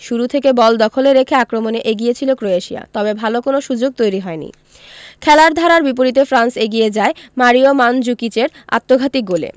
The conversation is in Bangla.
শুরু থেকে বল দখলে রেখে আক্রমণে এগিয়ে ছিল ক্রোয়েশিয়া তবে ভালো কোনো সুযোগ তৈরি হয়নি খেলার ধারার বিপরীতে ফ্রান্স এগিয়ে যায় মারিও মানজুকিচের আত্মঘাতী গোলে